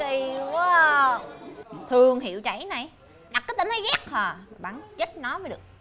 kì quá à thường tiêu chảy này đặt cái tên thấy ghét hà bắn chết nó mới được